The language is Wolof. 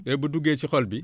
te bu duggee ci xol bi